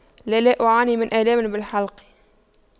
لا لا أعاني من آلام بالحلق